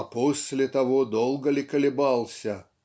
А после того долго ли колебался?